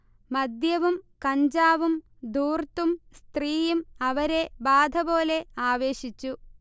മദ്യവും കഞ്ചാവും ധൂർത്തും സ്ത്രീയും അവരെ ബാധപോലെ ആവേശിച്ചു